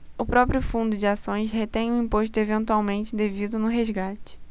o próprio fundo de ações retém o imposto eventualmente devido no resgate